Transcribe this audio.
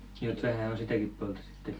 niin että vähän on sitäkin puolta sitten